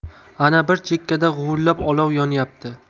ana bir chekkada guvillab olov yonyapti